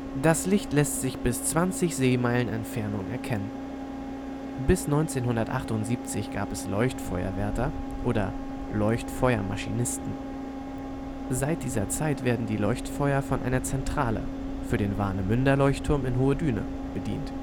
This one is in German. Das Licht lässt sich bis 20 Seemeilen Entfernung erkennen. Bis 1978 gab es Leuchtfeuerwärter oder Leuchtfeuermaschinisten. Seit dieser Zeit werden die Leuchtfeuer von einer Zentrale, für den Warnemünder Leuchtturm in Hohe Düne, bedient